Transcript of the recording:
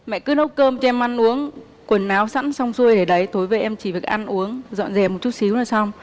mẹ cứ nấu cơm cho em ăn uống quần áo sẵn xong xuôi để đấy tối về em chỉ việc ăn uống dọn dẹp một chút xíu là xong